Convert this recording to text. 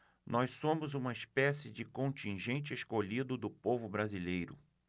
nós somos uma espécie de contingente escolhido do povo brasileiro